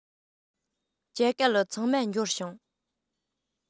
ཇ ག ལི ཚང མ འབྱོར བྱུང